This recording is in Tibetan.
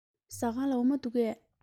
ཟ ཁང ལ འོ མ འདུག གས